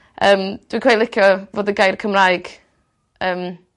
Yym dwi'n cweit licio fod y gair Cymraeg yym